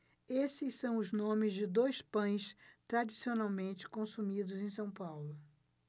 esses são os nomes de dois pães tradicionalmente consumidos em são paulo